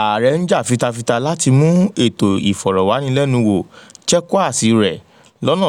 Oluṣaju n tiraka lati mu ipinnu ileri rẹ ṣẹ laarin ikọlu lọdọ